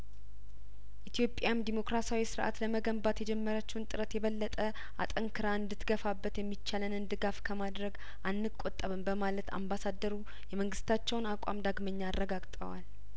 ኢትዮጵያም ዴሞክራሲያዊ ስርአት ለመገንባት የጀመረችውን ጥረት የበለጠ አጠንክራ እንድት ገፋበት የሚቻለንን ድጋፍ ከማድረግ አንቆጠብም በማለት አምባሳደሩ የመንግስታቸውን አቋም ዳግመኛ አረጋግጠዋል